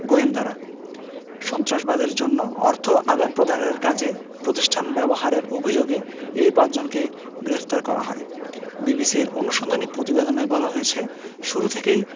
গোয়েন্দারা সন্ত্রাসবাদের জন্য অর্থ আদান প্রদানের কাজে প্রতিষ্ঠান ব্যবহারের অভিযোগে এই পাঁচজনকে গ্রেপ্তার করা হয় বিবিসির অনুসন্ধানী প্রতিবেদনে বলা হয়েছে শুরু থেকেই